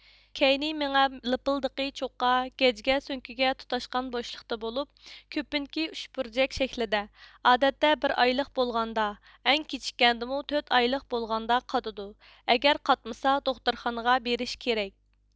كەينى مېڭە لىپىلدىقى چوققا گەجگە سۆڭىكىگە تۇتاشقان بوشلۇقتا بولۇپ كۆپۈنكى ئۈچ بۇرجەك شەكلىدە ئادەتتە بىر ئايلىق بولغاندا ئەڭ كېچىككەندىمۇ تۆت ئايلىق بولغاندا قاتىدۇ ئەگەر قاتمىسا دوختۇرخانىغا بېرىش كېرەك